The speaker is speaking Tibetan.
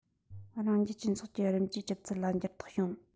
རང རྒྱལ སྤྱི ཚོགས ཀྱི རིམ གྲས གྲུབ ཚུལ ལ འགྱུར ལྡོག བྱུང